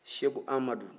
siyeko amadu